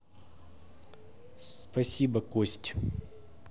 спасибо кость